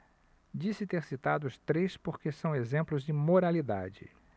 disse ter citado os três porque são exemplos de moralidade